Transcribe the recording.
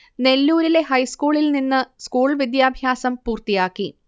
നെല്ലൂരിലെ ഹൈസ്കൂളിൽ നിന്ന് സ്കൂൾ വിദ്യാഭ്യാസം പൂർത്തിയാക്കി